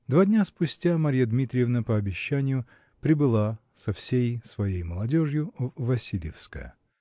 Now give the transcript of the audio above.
Два дня спустя Марья Дмитриевна, по обещанию, прибыла со всей своей молодежью в Васильевское.